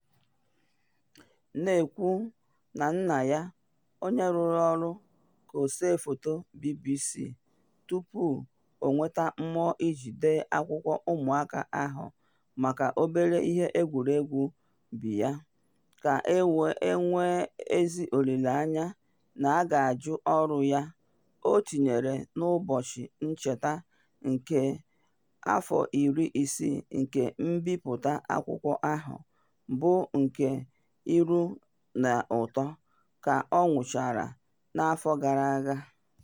Na ekwu na nna ya, onye rụrụ ọrụ ka ọsee foto BBC tupu ọ nweta mmụọ iji dee akwụkwọ ụmụaka ahụ maka obere ihe egwuregwu biya, ga-enwe ezi olile anya na a ga-ajụ ọrụ ya, o tinyere na ụbọchị ncheta nke 60 nke mbipụta akwụkwọ ahụ bụ nke “ilu na ụtọ” ka ọ nwụchara n’afọ gara aga.